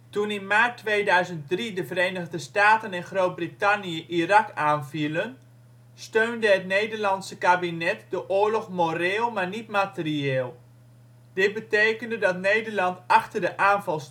Toen in maart 2003 de Verenigde Staten en Groot Brittannië Irak aanvielen (zie Irakoorlog), steunde het Nederlandse kabinet de oorlog " moreel maar niet materiaal ". Dit betekende dat Nederland achter de aanval